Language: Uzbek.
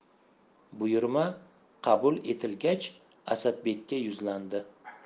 buyurma qabul etilgach asadbekka yuzlandi